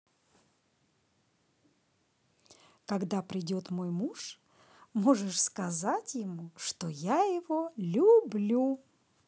когда придет мой муж можешь сказать ему что я его люблю